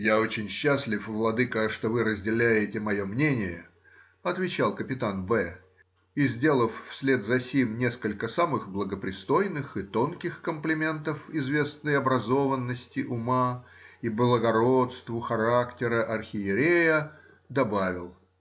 — Я очень счастлив, владыко, что вы разделяете мое мнение,— отвечал капитан Б. и, сделав вслед за сим несколько самых благопристойных и тонких комплиментов известной образованности ума и благородству характера архиерея, добавил